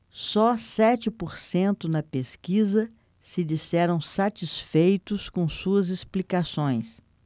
só sete por cento na pesquisa se disseram satisfeitos com suas explicações